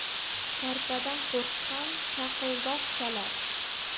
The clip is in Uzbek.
sharpadan qo'rqqan shaqildoq chalar